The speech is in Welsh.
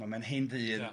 Ma' mae'n hen ddyn... Ia.